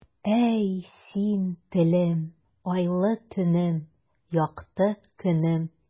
Әй, син, телем, айлы төнем, якты көнем.